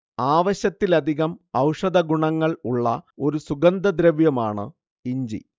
ആവശ്യത്തിലധികം ഔഷധഗുണങ്ങൾ ഉള്ള ഒരു സുഗന്ധദ്രവ്യമാണ് ഇഞ്ചി